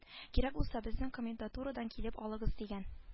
Кирәк булса безнең комендатурадан килеп алыгыз дигән